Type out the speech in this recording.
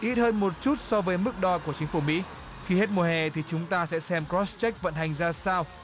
ít hơn một chút so với mức đo của chính phủ mỹ khi hết mùa hè thì chúng ta sẽ xem rót chếch vận hành ra sao